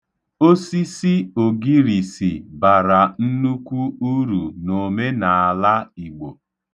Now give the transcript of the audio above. Osisi ogirisi bara nnukwu uru n'omenaala Igbo.